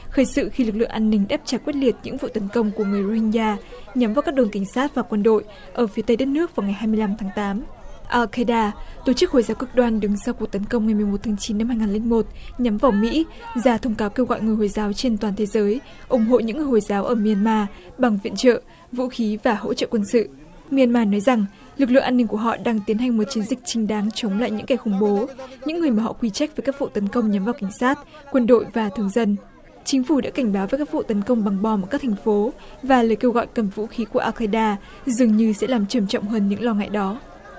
khởi sự khi lực lượng an ninh đáp trả quyết liệt những vụ tấn công của người ring ra nhằm vào các đồn cảnh sát và quân đội ở phía tây đất nước vào ngày hai mươi lăm tháng tám a kê đa tổ chức hồi giáo cực đoan đứng sau cuộc tấn công ngày mười một tháng chín năm hai ngàn linh một nhắm vào mỹ ra thông cáo kêu gọi người hồi giáo trên toàn thế giới ủng hộ những người hồi giáo ở mi an ma bằng viện trợ vũ khí và hỗ trợ quân sự mi an ma nói rằng lực lượng an ninh của họ đang tiến hành một chiến dịch chính đáng chống lại những kẻ khủng bố những người mà họ quy trách về các vụ tấn công nhắm vào cảnh sát quân đội và thường dân chính phủ đã cảnh báo với các vụ tấn công bằng bom ở các thành phố và lời kêu gọi cầm vũ khí của a kê đa dường như sẽ làm trầm trọng hơn những lo ngại đó